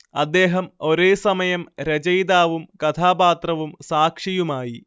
അദ്ദേഹം ഒരേസമയം രചയിതാവും കഥാപാത്രവും സാക്ഷിയുമായി